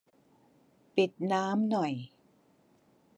ปิดน้ำหน่อย